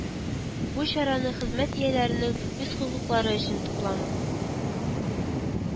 Бу чараны хезмәт ияләренең үз хокуклары өчен туплану